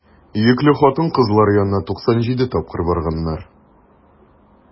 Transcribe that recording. Йөкле хатын-кызлар янына 97 тапкыр барганнар.